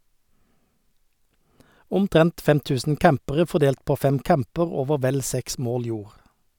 Omtrent 5000 campere fordelt på fem camper over vel seks mål jord.